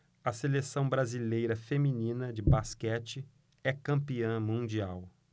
a seleção brasileira feminina de basquete é campeã mundial